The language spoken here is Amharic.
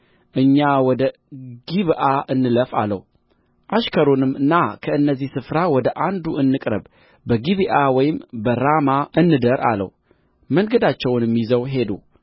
እኛ ወደ ጊብዓ እንለፍ አለው አሽከሩንም ና ከእነዚህ ስፍራ ወደ አንዱ እንቅረብ በጊብዓ ወይም በራማ እንደር አለው መንገዳቸውንም ይዘው ሄዱ